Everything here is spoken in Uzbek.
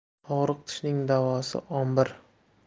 og'riq tishning davosi ombir